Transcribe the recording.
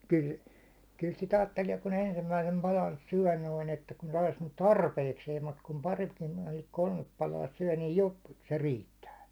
kyllä kyllä sitä ajattelee kun ensimmäisen palan syö noin että kun saisi nyt tarpeikseen mutta kun paritkin noin kolme palaa syö niin - se riittää